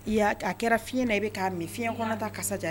A kɛra fiɲɛ na bɛ ka mɛn fiɲɛ kɔnɔ ta kasa jan